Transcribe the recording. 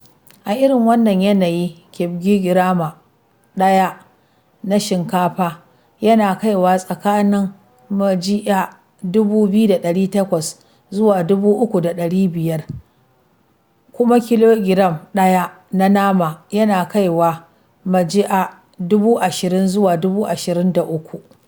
A irin wannan yanayi, kilogiram 1 na shinkafa yana kaiwa tsakanin MGA 2,800 zuwa 3,500 (USD 0.60 zuwa 0.76), kuma kilogiram 1 na nama ya kai MGA 20,000 zuwa 23,000 (USD 4.35 zuwa 5).